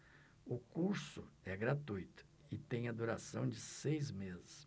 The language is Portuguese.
o curso é gratuito e tem a duração de seis meses